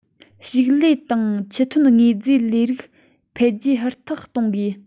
ཕྱུགས ལས དང ཆུ ཐོན དངོས རྫས ལས རིགས འཕེལ རྒྱས ཧུར ཐག གཏོང དགོས